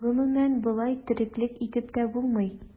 Гомумән, болай тереклек итеп тә булмый.